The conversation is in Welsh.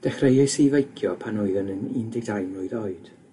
Dechreuais i feicio pan oeddwn yn un deg dau mlwydd oed.